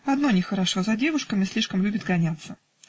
Одно нехорошо: за девушками слишком любит гоняться.